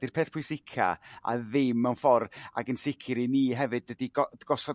ydi'r peth pwysica' a ddim mewn ffor'... ag yn sicr i ni hefyd dydi go- gosod